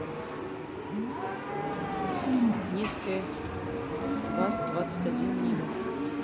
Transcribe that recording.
низкая ваз двадцать один нива